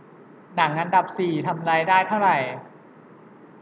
หนังอันดับสี่ทำรายได้เท่าไหร่